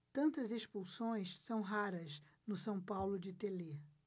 tantas expulsões são raras no são paulo de telê